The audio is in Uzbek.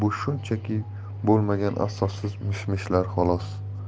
bu shunchaki bo'lmagan asossiz mish mishlar xolos